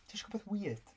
Ti isio gwbod rywbeth weird?